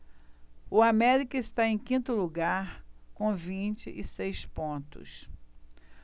o américa está em quinto lugar com vinte e seis pontos